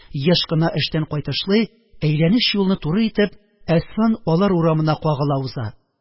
Еш кына эштән кайтышлый, әйләнеч юлны туры итеп, әсфан алар урамына кагыла уза